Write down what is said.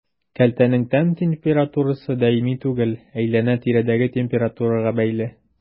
Кәлтәнең тән температурасы даими түгел, әйләнә-тирәдәге температурага бәйле.